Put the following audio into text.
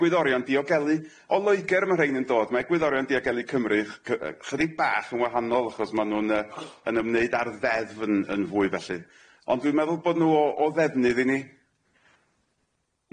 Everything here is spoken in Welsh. Egwyddorion diogelu o Loegr ma' rhein yn dod ma' egwyddorion diogelu Cymru ch- c- yy chydig bach yn wahanol achos ma' nw'n yy yn ymwneud a'r ddeddf yn yn fwy felly ond dwi'n meddwl bod nw o o ddefnydd i ni.